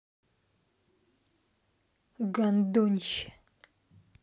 гандонище